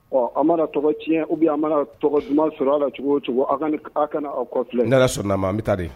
Ɔ a mana tɔgɔc u a mana tɔgɔtuma sɔrɔ a cogo cogo aw ka aw kɔ yɛrɛ sɔrɔ' an bɛ taa